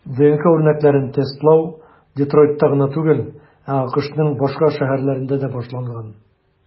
ДНК үрнәкләрен тестлау Детройтта гына түгел, ә АКШның башка шәһәрләрендә дә башланган.